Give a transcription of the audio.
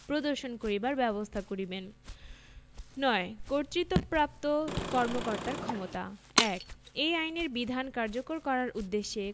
প্রদর্শন করিবার ব্যবস্থা করিবেন ৯ কর্তৃত্বপ্রাপ্ত কর্মকর্তার ক্ষমতাঃ ১ এই আইনের বিধান কার্যকর করার উদ্দেশ্যে